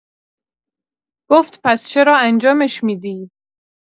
گفت: «پس چرا انجامش می‌دی؟»